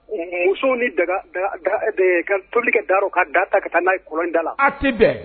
Muso ni tobilikɛ da u ka da ta ka taa n'a kolonlɔn da la